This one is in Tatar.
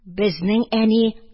Безнең әни